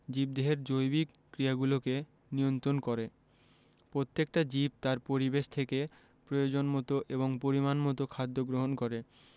জীবদেহের জৈবিক ক্রিয়াগুলোকে নিয়ন্ত্রন করে প্রত্যেকটা জীব তার পরিবেশ থেকে প্রয়োজনমতো এবং পরিমাণমতো খাদ্য গ্রহণ করে